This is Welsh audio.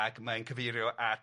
Ac mae'n cyfeirio at